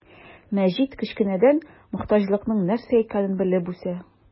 Мәҗит кечкенәдән мохтаҗлыкның нәрсә икәнен белеп үсә.